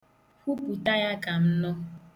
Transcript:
Kwupụta ya ka anyị nụ.